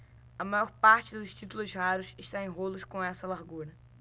a maior parte dos títulos raros está em rolos com essa largura